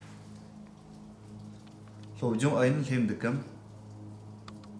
སློབ སྦྱོང ཨུ ཡོན སླེབས འདུག གམ